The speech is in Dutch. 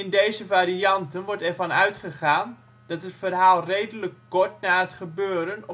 deze varianten wordt ervan uitgegaan dat het verhaal redelijk kort na het gebeuren op